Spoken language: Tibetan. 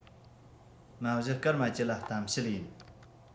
མ གཞི སྐར མ བཅུ ལ གཏམ བཤད ཡིན